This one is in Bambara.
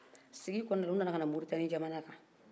sigin kɔnɔla la u nana kana moritani jamana kan